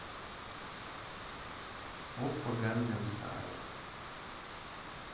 опа гангам стайл